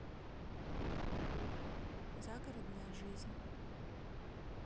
загородная жизнь